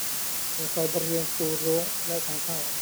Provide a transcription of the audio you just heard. เปิดไฟบริเวณประตูรั้วและทางเข้า